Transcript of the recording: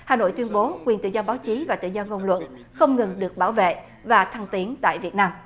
hà nội tuyên bố quyền tự do báo chí và tự do ngôn luận không ngừng được bảo vệ và thăng tiến tại việt nam